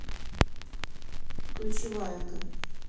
включи ваенга